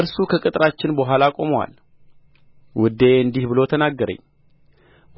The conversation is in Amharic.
እርሱ ከቅጥራችን በኋላ ቆሞአል ውዴ እንዲህ ብሎ ተናገረኝ